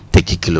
teg ci kilo